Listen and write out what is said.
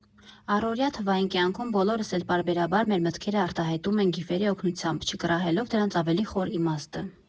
Առօրյա «թվային» կյանքում բոլորս էլ պարբերաբար մեր մտքերը արտահայտում ենք գիֆերի օգնությամբ՝ չկռահելով դրանց ավելի խոր իմաստը։